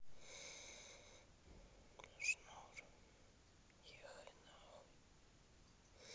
шнур ехай нахуй